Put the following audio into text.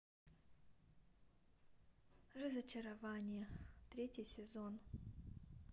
разочарование третий сезон